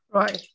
Right.